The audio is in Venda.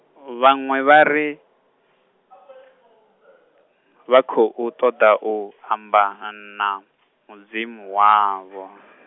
vhaṅwe vhari, vha khou ṱoḓa u amba na Mudzimu wavho.